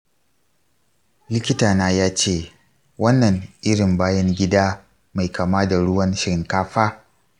likitana ya ce wannan irin bayan gida mai kama da ruwan shinkafa.